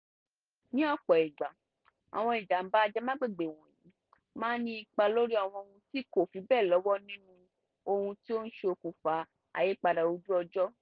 Ní ọ̀pọ̀ ìgbà, àwọn ìjàm̀bá ajẹmágbègbè wọ̀nyìí máa ń ní ipa lórí àwọn tí wọn kò fi bẹ́ẹ̀ lọ́wọ́ nínu ohun tí ó ń ṣokùnfà àyípadà ojú-ọjọ́.